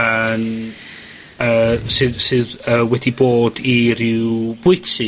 yn yy sydd sydd yy wedi bod i ryw bwyty,